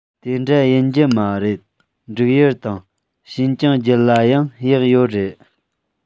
དེ འདྲ ཡིན གྱི མ རེད འབྲུག ཡུལ དང ཤིན ཅང རྒྱུད ལ ཡང གཡག ཡོད རེད